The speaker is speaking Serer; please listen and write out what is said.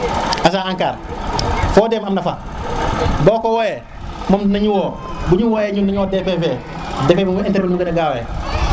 agence Ankar fo dem amna fa boko wowe mom dinañu wo buñu wowe ñun ñoy DPV dinañ intervenir num gëna gawe